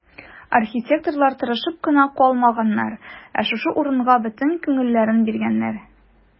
Архитекторлар тырышып кына калмаганнар, ә шушы урынга бөтен күңелләрен биргәннәр.